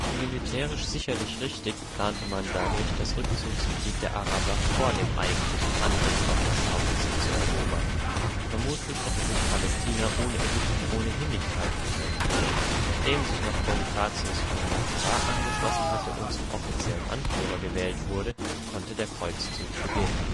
Militärisch sicherlich richtig, plante man dadurch, das Rückzugsgebiet der Araber vor dem eigentlichen Angriff auf das Hauptziel zu erobern. Vermutlich hätte sich Palästina ohne Ägypten ohnehin nicht halten können. Nachdem sich noch Bonifatius von Montferrat angeschlossen hatte und zum offiziellen Anführer gewählt wurde, konnte der Kreuzzug beginnen